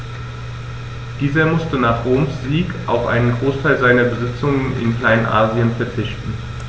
Dieser musste nach Roms Sieg auf einen Großteil seiner Besitzungen in Kleinasien verzichten.